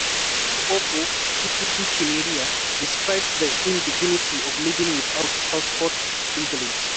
Kenyan author Ciku Kimeria describes the indignity of living without "passport privilege".